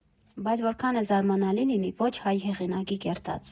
Բայց, որքան էլ զարմանալի լինի, ոչ հայ հեղինակի կերտած։